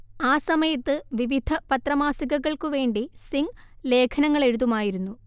ആ സമയത്ത് വിവിധ പത്രമാസികകൾക്കുവേണ്ടി സിംഗ് ലേഖനങ്ങളെഴുതുമായിരുന്നു